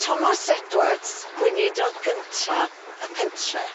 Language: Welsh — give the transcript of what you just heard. Thomas Edwards gweinidog gynta y pentre.